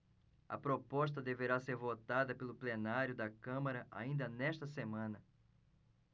a proposta deverá ser votada pelo plenário da câmara ainda nesta semana